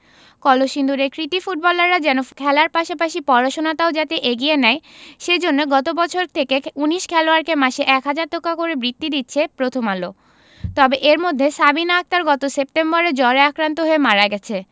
কলসিন্দুরের কৃতী ফুটবলাররা যেন খেলার পাশাপাশি পড়াশোনাটাও যাতে এগিয়ে নেয় সে জন্য গত বছর থেকে ১৯ খেলোয়াড়কে মাসে ১ হাজার টাকা করে বৃত্তি দিচ্ছে প্রথম আলো তবে এর মধ্যে সাবিনা আক্তার গত সেপ্টেম্বরে জ্বরে আক্রান্ত হয়ে মারা গেছে